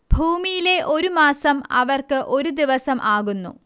ഭൂമിയിലെ ഒരു മാസം അവർക്ക് ഒരു ദിവസം ആകുന്നു